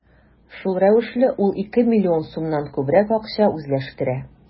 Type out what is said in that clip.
Шул рәвешле ул ике миллион сумнан күбрәк акча үзләштерә.